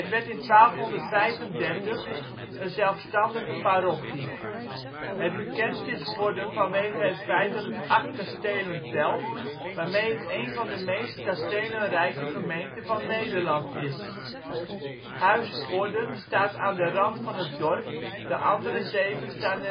werd in 1235 een zelfstandige parochie. Het bekendst is Vorden vanwege het feit dat het acht kastelen telt, waarmee het een van de meest kastelen-rijke gemeenten van Nederland is. Huis Vorden staat aan de rand van het dorp, de andere zeven staan